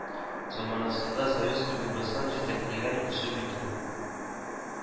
Заманында союз КэГэБэсын җитәкләгән кеше бит ул